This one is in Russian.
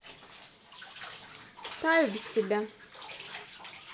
таю без тебя